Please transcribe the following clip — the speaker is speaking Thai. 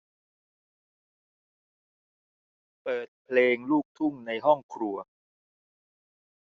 เปิดเพลงลูกทุ่งในห้องครัว